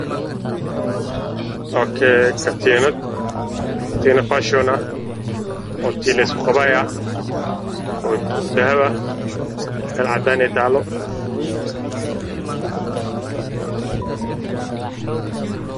Meeshaan waxaa ka muuqdo katiinad fashion ah